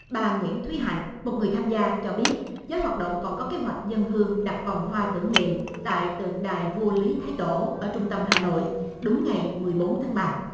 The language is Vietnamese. bà nguyễn thúy hạnh một người tham gia cho biết giới hoạt động còn có kế hoạch dâng hương đặt vòng hoa tưởng niệm tại tượng đài vua lý thái tổ ở trung tâm hà nội đúng ngày mười bốn tháng ba